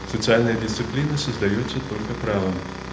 Социальная дисциплина создается только правом